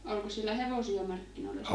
oliko siellä hevosia markkinoilla silloin